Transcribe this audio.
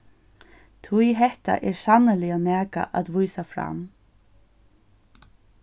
tí hetta er sanniliga nakað at vísa fram